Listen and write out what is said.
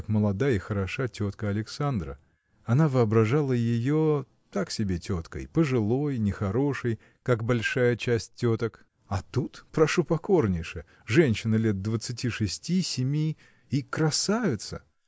как молода и хороша тетка Александра. Она воображала ее так себе теткой пожилой нехорошей как большая часть теток а тут прошу покорнейше женщина лет двадцати шести семи и красавица!